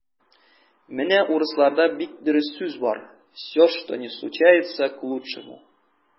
Менә урысларда бик дөрес сүз бар: "все, что ни случается - к лучшему".